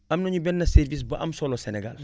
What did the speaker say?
am nañu benn service bu am solo Sénégal